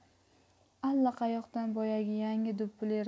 allaqayoqdan boyagi yangi do'ppili